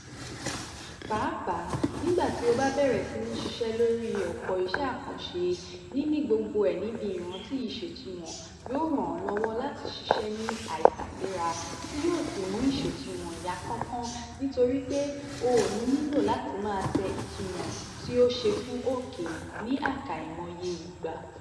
Pàápàá nígbà tí o bá bẹ̀rẹ̀ sí ní ṣiṣẹ́ lórí ọ̀pọ̀ iṣẹ́ àkànṣe, níní gbogbo ẹ̀ níbi ìrántí ìṣètumọ̀ yóò ràn ọ lọ́wọ́ láti ṣiṣẹ́ ní àìtàséra tí yóò sì mú ìṣètumọ̀ yá kánkán, nítorí pé o ò ní nílò láti máa tẹ ìtumọ̀ tí o ṣe fún "OK" ní àkàìmọye ìgbà.